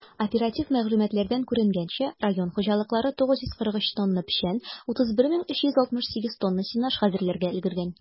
Оператив мәгълүматлардан күренгәнчә, район хуҗалыклары 943 тонна печән, 31368 тонна сенаж хәзерләргә өлгергән.